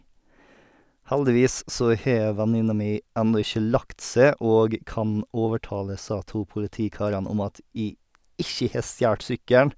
Heldigvis så har venninna mi enda ikke lagt seg, og kan overtale disse to politikarene om at jeg ikke har stjælt sykkelen.